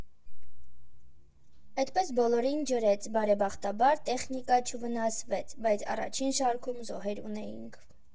Էդպես բոլորին ջրեց, բարեբախտաբար, տեխնիկա չվնասվեց, բայց առաջին շարքում զոհեր ունեինք։